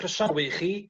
crosawu chi